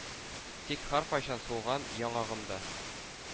Тик һәркайчан сулган яңагымда